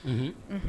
Unhun